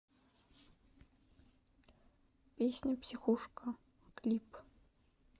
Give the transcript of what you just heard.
песня психушка клип